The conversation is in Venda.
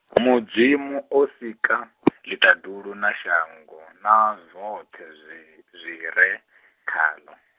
Mudzimu o sika, ḽiṱaḓulu na shango na zwoṱhe zwi, zwire khaḽo.